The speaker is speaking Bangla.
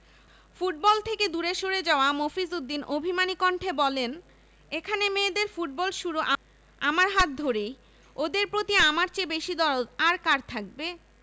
ফুটবল থেকে দূরে সরে যাওয়া মফিজ উদ্দিন অভিমানী কণ্ঠে বললেন এখানে মেয়েদের ফুটবল শুরু আমার হাত ধরেই ওদের প্রতি আমার চেয়ে বেশি দরদ কার থাকবে